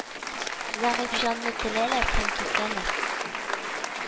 Зәгыйфь җанны теләләр һәм кисәләр